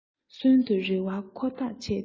གསོན དུ རེ བའི ཁོ ཐག ཆད དེ